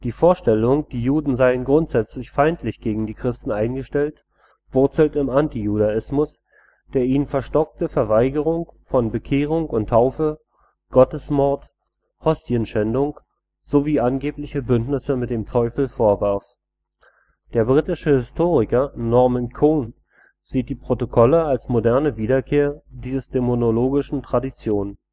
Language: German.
Vorstellung, die Juden seien grundsätzlich feindlich gegen Christen eingestellt, wurzelt im Antijudaismus, der ihnen „ verstockte “Verweigerung von Bekehrung und Taufe, Gottesmord, Hostienschändung sowie angebliche Bündnisse mit dem Teufel vorwarf. Der britische Historiker Norman Cohn sieht die Protokolle als moderne Wiederkehr dieser dämonologischen Tradition